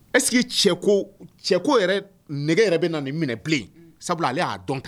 Est-ce que cɛ ko nege yɛrɛ bɛna nin minɛ bilen, sabula ale y'a dɔn